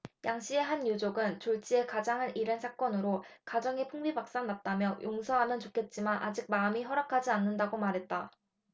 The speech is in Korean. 양 씨의 한 유족은 졸지에 가장을 잃은 사건으로 가정이 풍비박산 났다며 용서하면 좋겠지만 아직 마음이 허락하지 않는다고 말했다